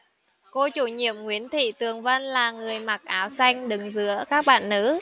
cô chủ nhiệm nguyễn thị tường vân là người mặc áo xanh đứng giữa các bạn nữ